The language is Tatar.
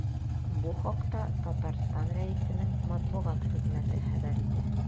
Бу хакта Татарстан Рәисенең матбугат хезмәте хәбәр итә.